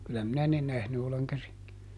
kyllä minä ne nähnyt olen käsinkivet